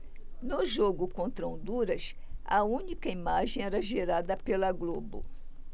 no jogo contra honduras a única imagem era gerada pela globo